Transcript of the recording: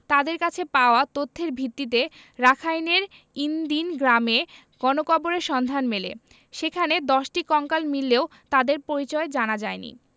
তাঁদের কাছে পাওয়া তথ্যের ভিত্তিতে রাখাইনের ইন দিন গ্রামে গণকবরের সন্ধান মেলে সেখানে ১০টি কঙ্কাল মিললেও তাদের পরিচয় জানা যায়নি